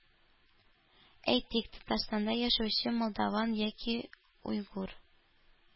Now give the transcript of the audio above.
Әйтик, Татарстанда яшәүче молдаван яки уйгур,